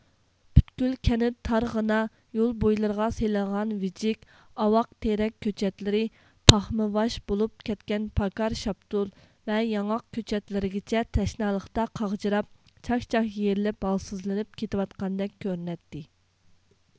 پۈتكۈل كەنت تارغىنا يول بويلىرىغا سېلىنغان ۋىجىك ئاۋاق تېرەك كۆچەتلىرى پاخمىۋاش بولۇپ كەتكەن پاكار شاپتۇل ۋە ياڭاق كۆچەتلىرىگىچە تەشنالىقتا قاغجىراپ چاك چاك يېرىلىپ ھالسىزلىنىپ كېتىۋاتقاندەك كۆرۈنەتتى